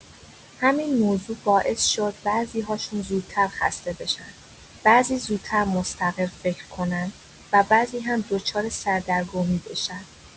همین موضوع باعث شد بعضی‌هاشون زودتر خسته بشن، بعضی زودتر مستقل فکر کنن و بعضی هم دچار سردرگمی بشن.